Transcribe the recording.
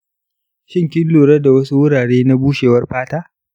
shin kin lura da wasu wurare na bushewar fata?